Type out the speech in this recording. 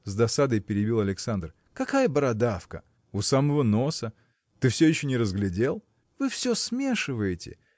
– с досадой перебил Александр, – какая бородавка? – У самого носа. Ты все еще не разглядел? – Вы все смешиваете.